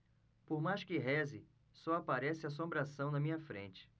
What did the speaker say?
por mais que reze só aparece assombração na minha frente